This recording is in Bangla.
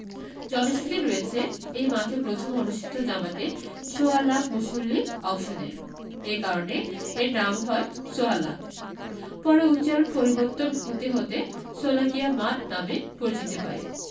জনশ্রুতি রয়েছে এই মাঠে প্রথম অনুষ্ঠিত জামাতে সোয়া লাখ মুসল্লি অংশ নেন এ কারণে এর নাম হয় সোয়া লাখ পরে উচ্চারণ পরিবর্তন হতে হতে শোলাকিয়া মাঠ নামে পরিচিতি পায়